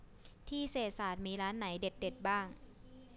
ที่เศรษฐศาสตร์มีร้านไหนเด็ดเด็ดบ้าง